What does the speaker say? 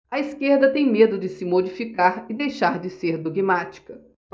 a esquerda tem medo de se modificar e deixar de ser dogmática